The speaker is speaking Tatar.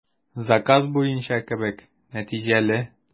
Заказ буенча кебек, нәтиҗәле.